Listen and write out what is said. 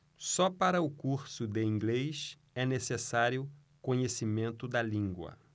só para o curso de inglês é necessário conhecimento da língua